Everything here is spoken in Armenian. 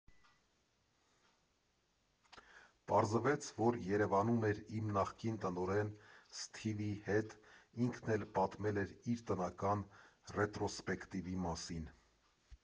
Պարզվեց, որ Երևանում էր իմ նախկին տնօրեն Սթիվի հետ, ինքն էլ պատմել էր իմ տնական ռետրոսպեկտիվի մասին։